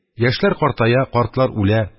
Яшьләр картая, картлар үлә,